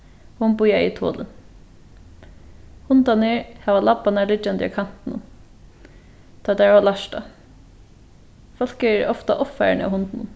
hon bíðaði tolin hundarnir hava labbarnar liggjandi á kantinum tað teir hava lært tað fólk eru ofta ovfarin av hundunum